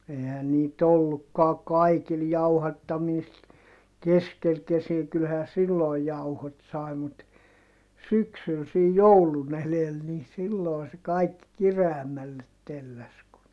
eihän niitä ollutkaan kaikilla jauhattamista keskellä kesiä kyllähän silloin jauhot sai mutta syksyllä sen joulun edellä niin silloin se kaikki kireämmälle telläsi kun